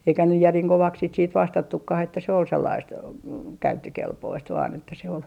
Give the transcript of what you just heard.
eikä nyt järin kovaksi sitä sitten vastattukaan että se oli sellaista käyttökelpoista vain että se oli